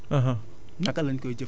maanaam résidus de cultures yi